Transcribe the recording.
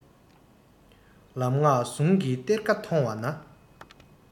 ལམ སྔགས ཟུང གི གཏེར ཁ མཐོང བ ན